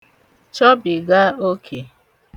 chọbìga okè